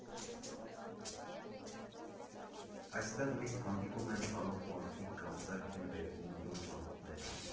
Այստեղ միշտ հանդիպում են ծանոթ մարդիկ կամ ձեռք են բերվում նոր ծանոթներ։